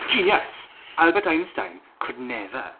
Genius! Albert Einstein could never.